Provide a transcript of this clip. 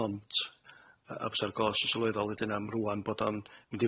pont yy a bysa'r gost yn sylweddol wedyn am rŵan bod o'n mynd